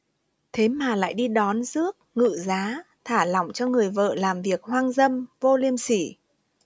thế mà lại đi đón rước ngự giá thả lỏng cho người vợ làm việc hoang dâm vô liêm sỉ